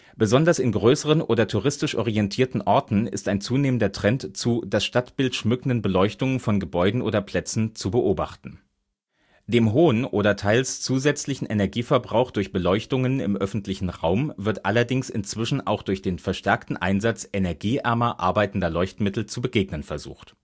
Besonders in größeren oder touristisch orientierten Orten ist ein zunehmender Trend zu das Stadtbild schmückenden Beleuchtungen von Gebäuden oder Plätzen zu beobachten. Dem hohen oder teils zusätzlichen Energieverbrauch durch Beleuchtungen im öffentlichen Raum wird allerdings inzwischen auch durch den verstärkten Einsatz energieärmer arbeitender Leuchtmittel zu begegnen versucht